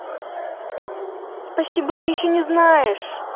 спасибо ты еще не знаешь